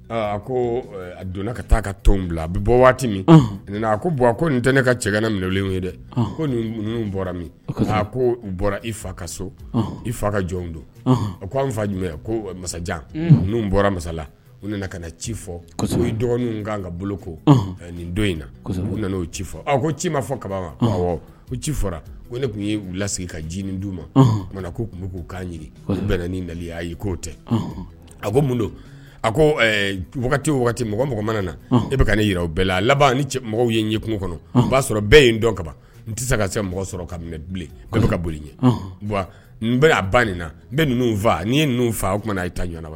A ko a donna ka taa ka tɔn bila a bɛ bɔ waati min a ko ko nin tɛ ne ka cɛ minɛnlen ye dɛ ko bɔra min' ko u bɔra i fa ka so i fa ka jɔnw don fa jumɛn ko masajan n bɔra masala u nana ka ci fɔ ka i dɔgɔnin kan ka boloko ko nin don in na u nana o ci fɔ a ko ci ma fɔ kaba ma ci fɔra ko ne tun ye la ka d' u ma k'u tun bɛ k'u kan ɲini u bɛ ni dalen a y' k'o tɛ a ko mun a ko wagati mɔgɔ mɔgɔ mana na e bɛ ka ne jira o bɛɛ la laban ni mɔgɔw ye ɲɛ kungo kɔnɔ o b'a sɔrɔ bɛɛ ye dɔn kaban n tɛ se ka kɛ mɔgɔ sɔrɔ ka bilen ka boli ɲɛ n bɛ ba nin na n bɛ ninnu faa n'i ye ninnu faa oumana na i tɛ taa ɲɔgɔn wa